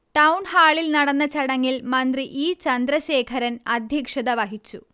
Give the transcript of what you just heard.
ടൗൺഹാളിൽ നടന്ന ചടങ്ങിൽ മന്ത്രി ഇ. ചന്ദ്രശേഖരൻ അധ്യക്ഷതവഹിച്ചു